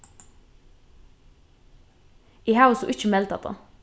eg havi so ikki meldað tað